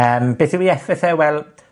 Yym beth yw 'i effeth, wel,